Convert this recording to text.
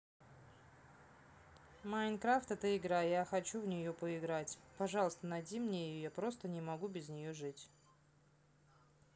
minecraft это игра я хочу в нее поиграть пожалуйста найди мне ее я просто не могу без нее жить